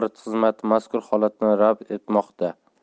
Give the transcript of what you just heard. axborot xizmati mazkur holatni rad etmoqda